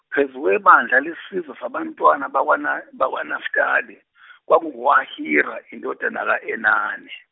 phezu kwebandla lesizwe sabantwana bakwaNa- bakwaNafetali, kwakungu-Ahira indodana ka-Enani.